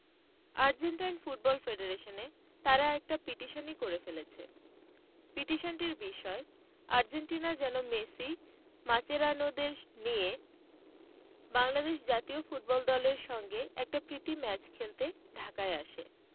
Argentine football ফেডারেশনে তারা একটা পিটিশনই করে ফেলেছে পিটিশনটির বিষয় আর্জেন্টিনা যেন মেসি মাচেরানোদের নিয়ে বাংলাদেশ জাতীয় ফুটবল দলের সঙ্গে একটা প্রীতি ম্যাচ খেলতে ঢাকায় আসে